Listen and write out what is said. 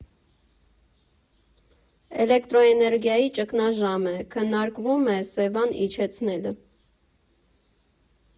Էլեկտրոէներգիայի ճգնաժամ է, քննարկվում է Սևան իջեցնելը։